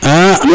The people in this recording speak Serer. ah